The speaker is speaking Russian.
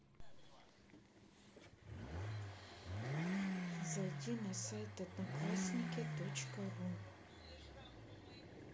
зайди на сайт одноклассники точка ру